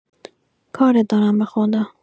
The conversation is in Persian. کارت دارم بخدا